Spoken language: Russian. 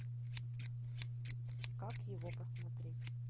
как его посмотреть